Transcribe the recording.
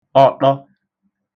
ọto